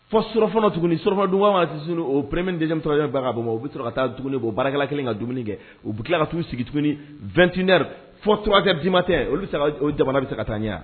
Fɔ sɔrɔ fɔlɔ tuguni suma dug waati tɛ o premedentɔ ka bamakɔ o bɛ ka taa dumuni bɔ baara kelen ka dumuni kɛ u bɛ tila ka t'u sigi tuguni2tri fɔ tokɛ'ma tɛ jamana bɛ se ka taa ɲɛ